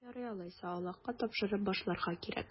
Ярый алайса, Аллаһыга тапшырып башларга кирәк.